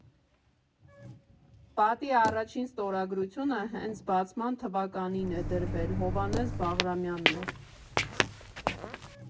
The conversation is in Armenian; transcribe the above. Պատի առաջին ստորագրությունը հենց բացման թվականին է դրվել՝ Հովհաննես Բաղրամյանն էր։